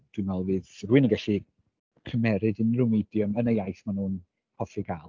Dwi'n meddwl fydd rywun yn gallu cymeryd unryw medium yn y iaith maen nhw'n hoffi gael.